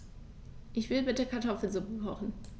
Ich will bitte Kartoffelsuppe kochen.